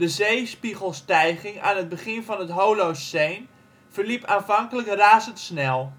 zeespiegelstijging aan het begin van het Holoceen verliep aanvankelijk razendsnel